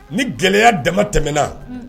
Ni gɛlɛya dama tɛmɛna unh